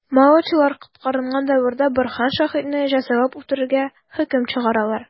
Маочылар котырынган дәвердә Борһан Шәһидине җәзалап үтерергә хөкем чыгаралар.